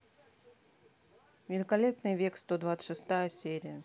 великолепный век сто двадцать шестая серия